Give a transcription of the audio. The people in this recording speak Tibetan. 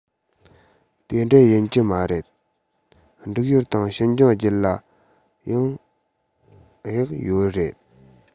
དེ འདྲ ཡིན གྱི མ རེད འབྲུག ཡུལ དང ཤིན ཅང རྒྱུད ལ ཡང གཡག ཡོད རེད